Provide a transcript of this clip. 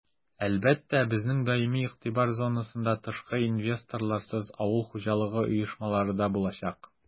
Әлбәттә, безнең даими игътибар зонасында тышкы инвесторларсыз авыл хуҗалыгы оешмалары да булачак.